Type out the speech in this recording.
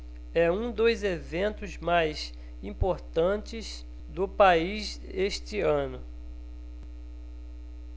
é um dos eventos mais importantes do país este ano